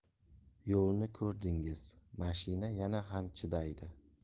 yo'lni ko'rdingiz mashina yana ham chidaydi